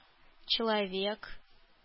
Человек